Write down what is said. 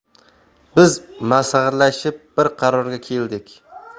biz maslahatlashib bir qarorga keldik